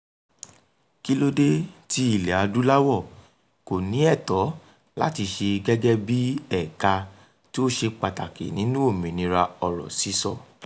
Kí ló dé tí Ilẹ̀-Adúláwọ̀ kò ní ẹ̀tọ́ láti ṣẹ̀ gẹ́gẹ́ bí ẹ̀ka tí ó ṣe pàtàkì nínú òmìnira ọ̀rọ̀ sísọ?